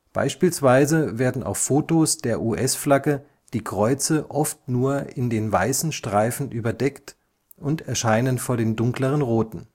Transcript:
Beispielsweise werden auf Fotos der US-Flagge die Kreuze oft nur in den weißen Streifen überdeckt und erscheinen vor den dunkleren roten